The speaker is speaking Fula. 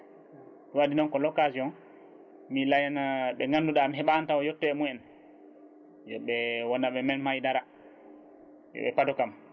waɗi noon ko l' occasion mi layana ɓe ganduɗa mi heeɓani taw yetto e mumen ɓe wono mem haydara yooɓe paadukam